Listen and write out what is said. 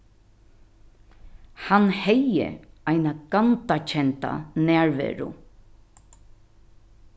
hann hevði eina gandakenda nærveru